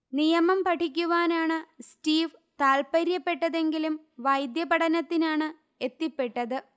നിയമം പഠിക്കുവാനാണ് സ്റ്റീവ് താൽപര്യപ്പെട്ടതെങ്കിലും വൈദ്യപഠനത്തിനാണ് എത്തിപ്പെട്ടത്